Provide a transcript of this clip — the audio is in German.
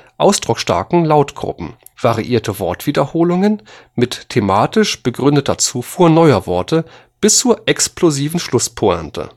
ausdrucksstarken Lautgruppen […], variierte Wortwiederholungen mit thematisch begründeter Zufuhr neuer Worte bis zur explosiven Schlußpointe